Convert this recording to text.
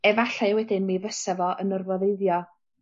efallai wedyn mi fysa fo ym normaleiddio